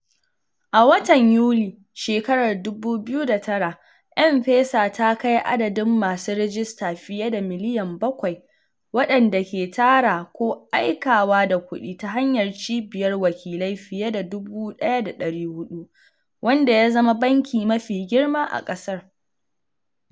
A watan Yuli 2009, M-Pesa ta kai adadin masu rijista fiye da miliyan bakwai, waɗanda ke tara ko aikawa da kuɗi ta hanyar cibiyar wakilai fiye da 1,400, wanda ya zama banki mafi girma a ƙasar.